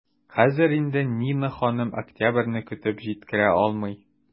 Хәзер инде Нина ханым октябрьне көтеп җиткерә алмый.